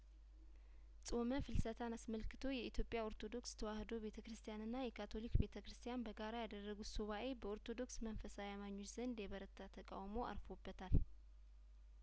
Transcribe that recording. ጾመ ፍልሰታን አስመልክቶ የኢትዮጵያ ኦርቶዶክስ ተዋህዶ ቤተ ክርስቲያንና የካቶሊክ ቤተ ክርስቲያን በጋራ ያደረጉት ሱባኤ በኦርቶዶክስ መንፈሳዊ አማኞች ዘንድ የበረታ ተቃውሞ አርፎበታል